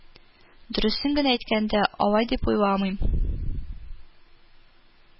Дөресен генә әйткәндә, алай дип уйламыйм